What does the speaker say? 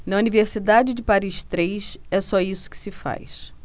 na universidade de paris três é só isso que se faz